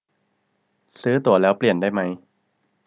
ซื้อตั๋วแล้วเปลี่ยนได้มั้ย